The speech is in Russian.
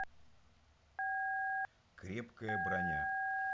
крепкая броня